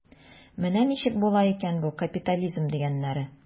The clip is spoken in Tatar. Менә ничек була икән бу капитализм дигәннәре.